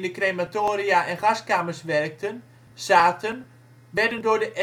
crematoria en gaskamers werkten) zaten werden door de